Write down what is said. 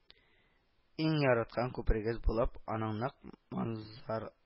Иң яраткан күперегез булып, аның нык манзар